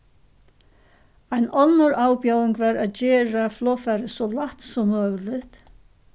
ein onnur avbjóðing var at gera flogfarið so lætt sum møguligt